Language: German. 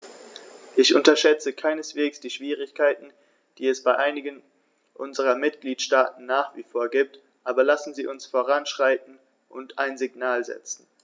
Ich unterschätze keineswegs die Schwierigkeiten, die es bei einigen unserer Mitgliedstaaten nach wie vor gibt, aber lassen Sie uns voranschreiten und ein Signal setzen.